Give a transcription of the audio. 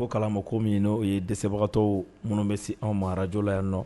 Ko kalama ko min n'o ye dɛsɛbagatɔw minnu bɛ se anw ma radio la yan nɔ